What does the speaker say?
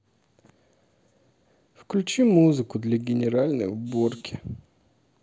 включи музыку для генеральной уборки